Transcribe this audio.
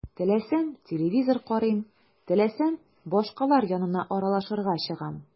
Теләсәм – телевизор карыйм, теләсәм – башкалар янына аралашырга чыгам.